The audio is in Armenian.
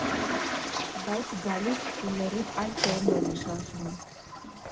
Բայց գալիս ու լրիվ այլ կողմով են շարժվում։